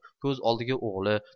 ko'z oldiga o'g'li